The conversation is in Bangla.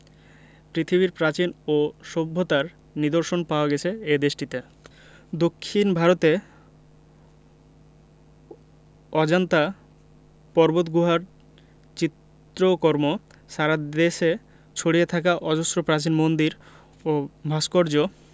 পৃথিবীর প্রাচীন ও সভ্যতার নিদর্শন পাওয়া গেছে এ দেশটিতে দক্ষিন ভারতে অজন্তা পর্বতগুহার চিত্রকর্ম সারা দেশে ছড়িয়ে থাকা অজস্র প্রাচীন মন্দির ও ভাস্কর্য